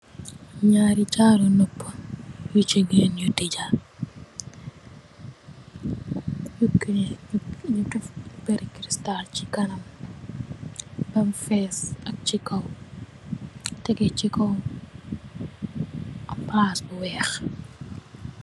Ñaari jaru nopuh yu jigeen yu dijja yu green ñu dèf pééri kistal ci kanam bam fees ak ci kaw tegeh ci kaw palas bu wèèx.